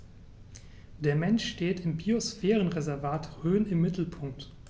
Der Mensch steht im Biosphärenreservat Rhön im Mittelpunkt.